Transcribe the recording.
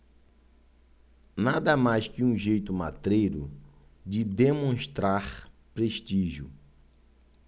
nada mais que um jeito matreiro de demonstrar prestígio